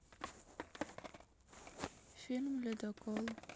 фильм ледокол